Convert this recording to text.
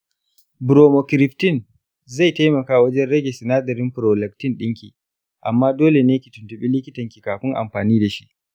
bromocriptine zai taimaka wajen rage sinadarin prolactin ɗinki, amma dole ne ki tuntuɓi likitanki kafin amfani da shi.